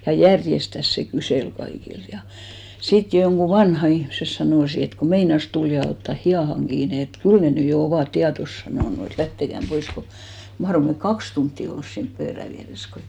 ja järjestään se kyseli kaikilta ja sitten jotkut vanhat ihmiset sanoi että kun meinasi tuli ja otta hihaan kiinni että kyllä ne nyt jo ovat tietonsa sanonut että lähteköön pois kun mahdoimme me kaksi tuntia olla siinä pöydän vieressä kun